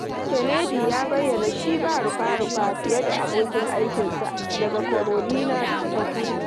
Kennedy ya bayyana shi ba rufa-rufa fiye da abokin aikinsa daga Carolina ta Kudu.